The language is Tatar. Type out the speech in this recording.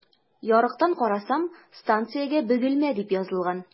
Ярыктан карасам, станциягә “Бөгелмә” дип язылган.